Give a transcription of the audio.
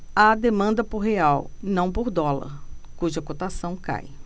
há demanda por real não por dólar cuja cotação cai